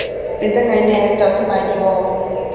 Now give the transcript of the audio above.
เป็นจั่งใดแหน่ เจ้าสำบายดีบ่